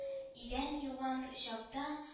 Идән юган чакта